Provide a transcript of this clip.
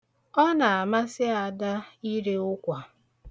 Ọ na-amasị Ada iri ụkwa.